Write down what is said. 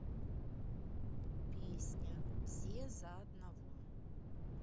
песня все за одного